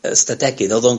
Ystadegydd. Odd o'n...